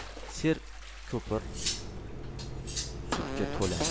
serko'pik sutga to'ladi